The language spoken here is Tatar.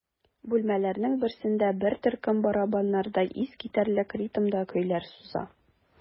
Бүлмәләрнең берсендә бер төркем барабаннарда искитәрлек ритмда көйләр суза.